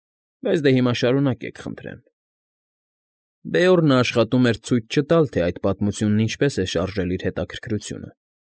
Բայց դե հիմա շարունակեք, խնդրեմ։ Բեորնը աշխատում էր ցույց չտալ, թե այդ պատմությունն ինչպես է շարժել իր հետաքրքրասիրությունը։